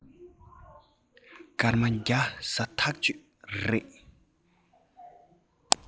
སྐར མ བརྒྱ ཟ ཐག གཅོད རེད